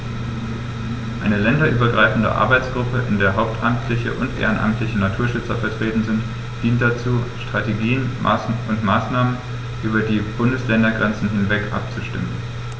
Eine länderübergreifende Arbeitsgruppe, in der hauptamtliche und ehrenamtliche Naturschützer vertreten sind, dient dazu, Strategien und Maßnahmen über die Bundesländergrenzen hinweg abzustimmen.